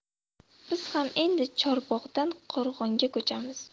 biz ham endi chorbog'dan qo'rg'onga ko'chamiz